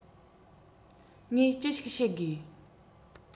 ངས ཅི ཞིག བཤད དགོས